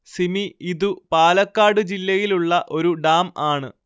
സിമി ഇതു പാലക്കാട് ജില്ലയിലുള്ള ഒരു ഡാം ആണ്